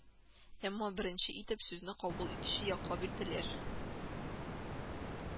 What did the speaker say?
Әмма беренче итеп сүзне кабул итүче якка бирделәр